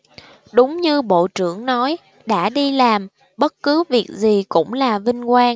đúng như bộ trưởng nói đã đi làm bất cứ việc gì cũng là vinh quang